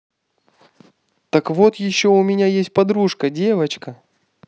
так вот еще у меня есть подружка девочка